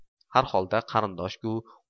harholda qarindosh ku